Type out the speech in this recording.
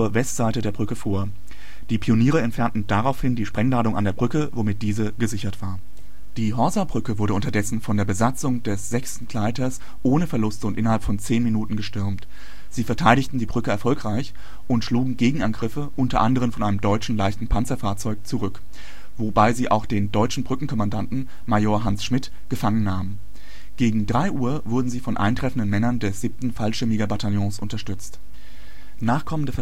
Westseite der Brücke vor. Die Pioniere entfernten daraufhin die Sprengladungen an der Brücke, womit diese gesichert war. Gleiter nahe der Absprungszone N (AZ-N) Die Horsabrücke wurde unterdessen von der Besatzung des sechsten Gleiters ohne Verluste und innerhalb von zehn Minuten gestürmt. Sie verteidigten die Brücke erfolgreich, und schlugen Gegenangriffe, unter anderem von einem deutschen leichten Panzerfahrzeug zurück, wobei sie auch den deutschen Brückenkommandanten, Major Hans Schmidt, gefangen nahmen. Gegen 3:00 Uhr wurden sie von eintreffenden Männern des 7. Fallschirmjägerbataillons unterstützt. Nachkommende